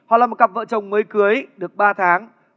là một cặp vợ chồng mới cưới được ba tháng